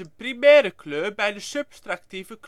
primaire kleur bij de subtractieve